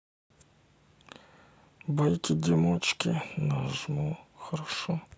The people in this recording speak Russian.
бойко дамочки нажму хорошо